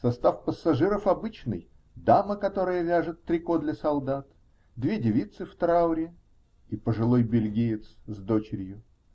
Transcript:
Состав пассажиров обычный: дама, которая вяжет трико для солдат, две девицы в трауре и пожилой бельгиец с дочерью.